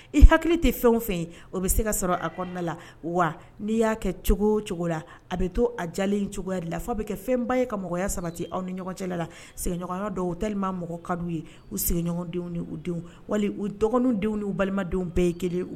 I hakili tɛ fɛn fɛn o bɛ se ka sɔrɔ a kɔnɔna la wa n'i y'a kɛ cogo cogo la a bɛ to a jalen cogo la' bɛ kɛ fɛnba ye ka mɔgɔya sabati aw ni ɲɔgɔncɛ la sigiɲɔgɔnya dɔw u taali ma mɔgɔ ka ye u sigiɲɔgɔn denw wali u dɔgɔnindenw ni balimadenw bɛɛ ye kelen